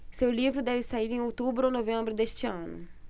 seu livro deve sair em outubro ou novembro deste ano